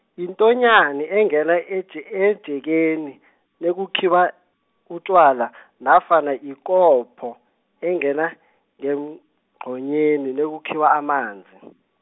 yintonyani, engena eje- emjekeni, nakukhiwa, utjwala nofana yikapho, engena ngemgqonyini, nakukhiwa amanzi.